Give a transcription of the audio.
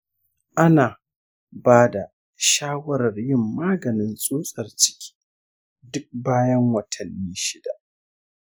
ana ba da shawarar yin maganin tsutsar ciki duk bayan watanni shida.